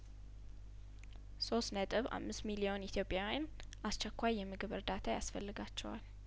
ሶስት ነጥብ አምስት ሚሊዮን ኢትዮጵያውያን አስቸኳይ የምግብ እርዳታ ያስፈልጋቸዋል